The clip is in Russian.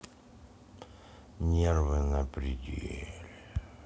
нервы на пределе